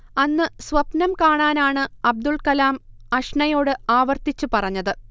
അന്ന് സ്വപ്നം കാണാനാണ് അബ്ദുൾക്കലാം അഷ്നയോട് ആവർത്തിച്ച് പറഞ്ഞത്